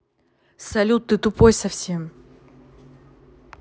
салют ты тупой совсем